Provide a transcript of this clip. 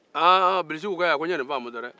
aa bilisi ko aya ko n'ye ni faamu dɛrɛ